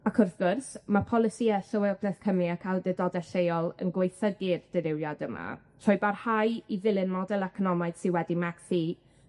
Ac wrth gwrs, ma' polisïe Llywodreth Cymru ac awdurdode lleol yn gwaethygu'r dirywiad yma, trwy barhau i ddilyn model economaidd sy wedi methu